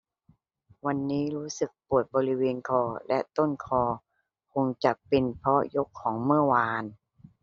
วันนี้รู้สึกปวดบริเวณคอและต้นคอคงจะเป็นเพราะยกของเมื่อวาน